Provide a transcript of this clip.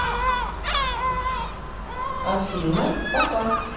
афина пока